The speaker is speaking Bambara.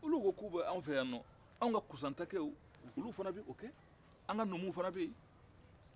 k'u bɛ anw fɛ yan anw ka kusantakew olu fana b'o kɛ